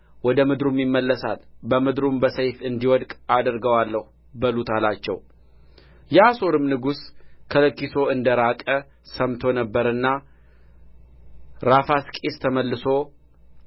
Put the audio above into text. ወደ ምድሩም ይመለሳል በምድሩም በሰይፍ እንዲወድቅ አደርገዋለሁ በሉት አላቸው የአሦርም ንጉሥ ከለኪሶ እንደ ራቀ ሰምቶ ነበርና ራፋስቂስ ተመልሶ